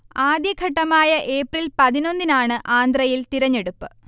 ആദ്യഘട്ടമായ April പതിനൊന്നിനാണ് ആന്ധ്രയിൽ തിരഞ്ഞെടുപ്പ്